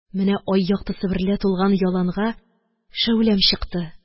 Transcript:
Менә ай яктысы берлә тулган яланга шәүләм чыкты.